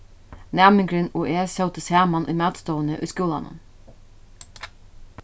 næmingurin og eg sótu saman í matstovuni í skúlanum